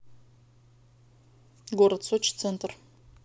город сочи центр